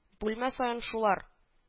Бүлмә саен шулар…